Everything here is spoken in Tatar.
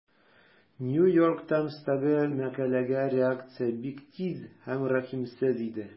New York Times'тагы мәкаләгә реакция бик тиз һәм рәхимсез иде.